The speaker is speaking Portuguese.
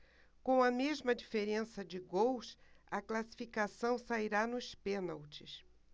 com a mesma diferença de gols a classificação sairá nos pênaltis